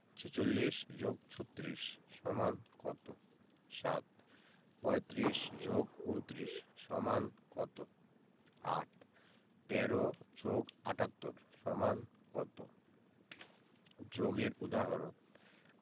৪৬ + ৩৬ = কত ৭ ৩৫ + ২৯ = কত ৮ ১৩ + ৭৮ = কত যোগের উদাহরণ